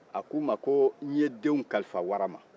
a k'u ma ko n ye denw kalifa wara ma